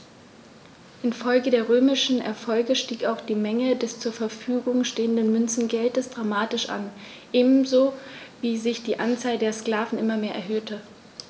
Infolge der römischen Erfolge stieg auch die Menge des zur Verfügung stehenden Münzgeldes dramatisch an, ebenso wie sich die Anzahl der Sklaven immer mehr erhöhte.